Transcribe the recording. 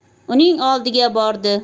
uning oldiga bordi